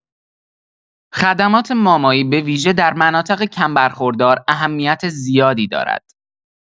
خدمات مامایی به‌ویژه در مناطق کم‌برخوردار اهمیت زیادی دارد.